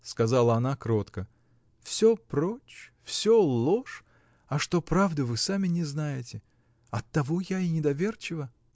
— сказала она кротко, — всё прочь, всё ложь, — а что правда — вы сами не знаете. Оттого я и недоверчива.